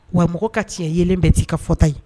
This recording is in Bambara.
Wa mɔgɔ ka tiɲɛ yelen bɛɛ'i ka fɔta ye